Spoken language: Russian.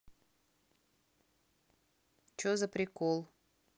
че за прикол